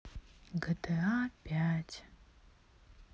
гта пять